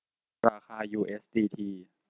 ราคายูเอสดีที